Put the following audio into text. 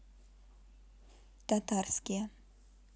татарские